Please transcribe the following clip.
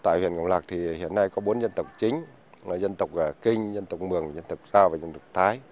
tại huyện ngọc lặc thì hiện nay có bốn dân tộc chính là dân tộc à kinh dân tộc mường dân tộc sao và dân tộc thái